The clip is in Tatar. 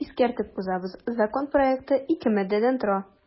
Искәртеп узабыз, закон проекты ике маддәдән тора.